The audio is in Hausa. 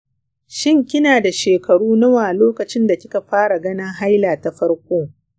shin kina da shekaru nawa lokacin da kika fara ganin haila ta farko?